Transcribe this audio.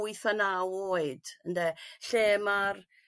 wyth a naw oed ynde lle ma'r